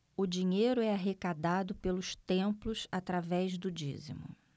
o dinheiro é arrecadado pelos templos através do dízimo